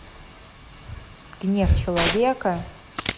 гнев человека